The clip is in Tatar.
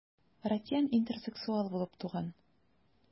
Ратьен интерсексуал булып туган.